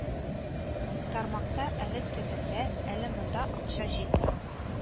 Тармакта әле тегендә, әле монда акча җитми